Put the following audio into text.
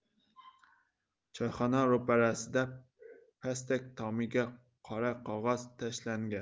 choyxona ro'parasida pastak tomiga qora qog'oz tashlangan